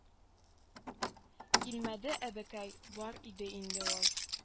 Килмәде әбекәй бар иде инде ул